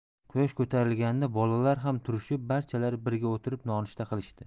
quyosh ko'tarilganida bolalar ham turishib barchalari birga o'tirib nonushta qilishdi